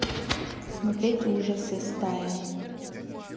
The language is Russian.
смотреть ужасы стая